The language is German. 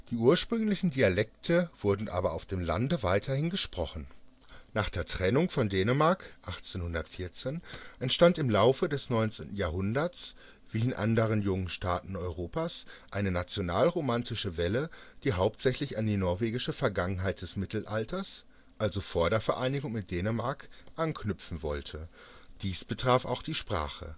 ursprünglichen Dialekte wurden aber auf dem Lande weiterhin gesprochen. Nach der Trennung von Dänemark 1814 entstand im Laufe des 19. Jahrhunderts wie in anderen jungen Staaten Europas eine national-romantische Welle, die hauptsächlich an die norwegische Vergangenheit des Mittelalters (also vor der Vereinigung mit Dänemark) anknüpfen wollte. Dies betraf auch die Sprache